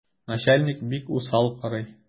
Начальник бик усал карый.